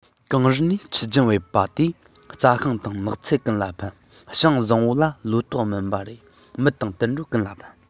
གངས རི ནས ཆུ རྒྱུན བབས པ དེ རྩྭ ཤིང དང ནགས ཚལ ཀུན ལ ཕན ཞིང བཟང པོ ལ ལོ ཏོག སྨིན པ རེད མི དང དུད འགྲོ ཀུན ལ ཕན